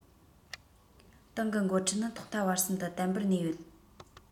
ཏང གི འགོ ཁྲིད ནི ཐོག མཐའ བར གསུམ དུ བརྟན པོར གནས ཡོད